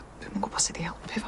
Yy dwi'm yn gwbod sud i helpu fo?